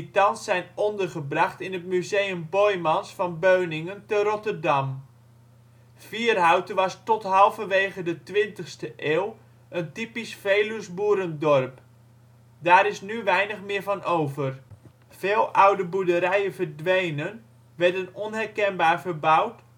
thans zijn ondergebracht in het museum Boijmans Van Beuningen te Rotterdam. Vierhouten was tot halverwege de 20e eeuw een typisch Veluws boerendorp. Daar is nu weinig meer van over. Veel oude boerderijen verdwenen, werden onherkenbaar verbouwd